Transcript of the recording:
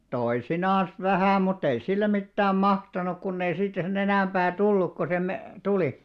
toisinaan vähän mutta ei sille mitään mahtanut kun ei siitä sen enempää tullut kuin se - tuli